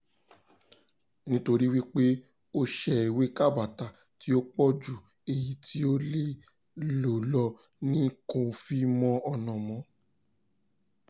Nítorí wípé ó ṣẹ́ ewé kátabá tí ó pọ̀ ju èyí tí ó lè lò lọ ni kò fi mọ ọ̀nà mọ́n.